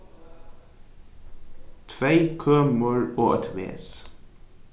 tvey kømur og eitt ves